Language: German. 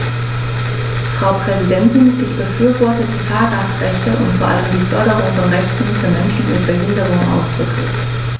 Frau Präsidentin, ich befürworte die Fahrgastrechte und vor allem die Förderung von Rechten für Menschen mit Behinderung ausdrücklich.